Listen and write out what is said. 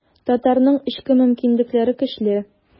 Татарның эчке мөмкинлекләре көчле.